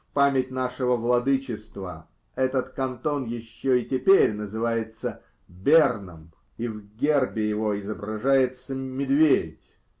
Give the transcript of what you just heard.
в память нашего владычества этот кантон еще и теперь называется Берном* и в гербе его изображается медведь.